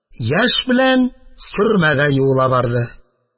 Яшь белән сөрмә дә юыла барды.